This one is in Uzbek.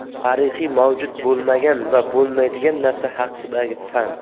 tarix mavjud bo'lmagan va bo'lmaydigan narsa haqidagi fan